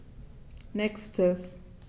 Nächstes.